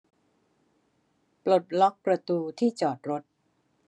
ปลดล็อกประตูที่จอดรถ